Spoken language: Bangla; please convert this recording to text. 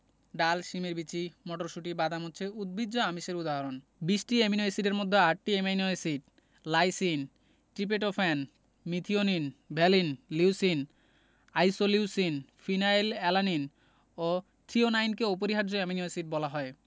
ডাল শিমের বিচি মটরশুঁটি বাদাম হচ্ছে উদ্ভিজ্জ আমিষের উদাহরণ ২০টি অ্যামাইনো এসিডের মধ্যে ৮টি amino acid lysine tryptophan methionine valine leucine isoleucine phenyl alanine ও থ্রিওনাইনকে অপরিহার্য অ্যামিনো এসিড বলা হয়